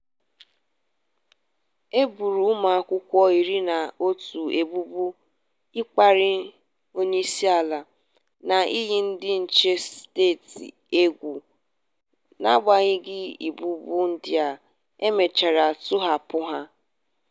E boro ụmụakwụkwọ iri na otu ebubo "ịkparị onyeisiala" na "iyi ndị nche steeti egwu" n'agbanyeghị ebubo ndị a, e mechara tọhapụ ha.